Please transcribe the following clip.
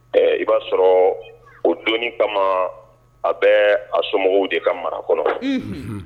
Ɛɛ i ba sɔrɔ o doni kama a bɛ a somɔgɔw de ka mara kɔnɔ.